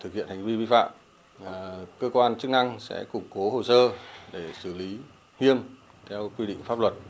thực hiện hành vi vi phạm à cơ quan chức năng sẽ củng cố hồ sơ để xử lý nghiêm theo quy định pháp luật